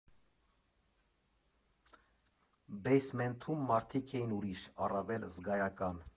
Բեյսմենթում մարդիկ էին ուրիշ, առավել զգայական։